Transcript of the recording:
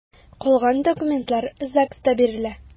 Калган документлар ЗАГСта бирелә.